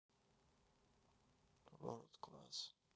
ворлд класс